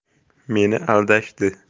meni aldashdi